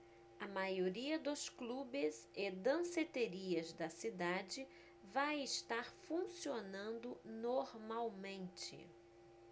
a maioria dos clubes e danceterias da cidade vai estar funcionando normalmente